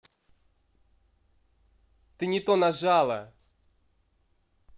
ты не то нажала